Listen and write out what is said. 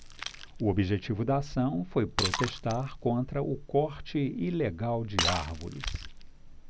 o objetivo da ação foi protestar contra o corte ilegal de árvores